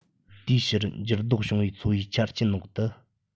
དེའི ཕྱིར འགྱུར ལྡོག བྱུང བའི འཚོ བའི ཆ རྐྱེན འོག ཏུ